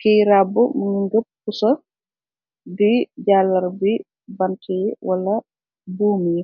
kiy rabb munga ngëp pusa di jalar bi bant yi wala buum yi.